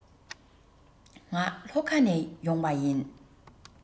ང ལྷོ ཁ ནས ཡོང པ ཡིན